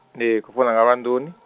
ndi khou founa nga lwa nḓuni.